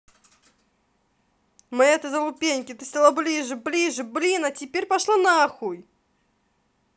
моя ты залупеньки ты стала ближе ближе блин а теперь пошла нахуй